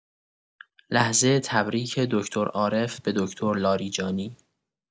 لحظه تبریک دکتر عارف به دکتر لاریجانی